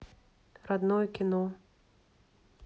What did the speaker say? родное кино